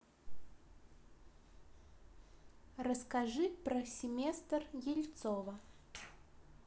расскажи про семестр ельцова